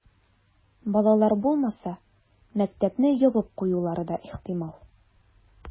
Балалар булмаса, мәктәпне ябып куюлары да ихтимал.